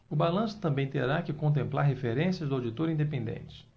o balanço também terá que contemplar referências do auditor independente